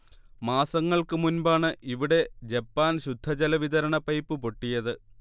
മാസങ്ങൾക്കു മുൻപാണ് ഇവിടെ ജപ്പാൻ ശുദ്ധജല വിതരണ പൈപ്പ് പൊട്ടിയത്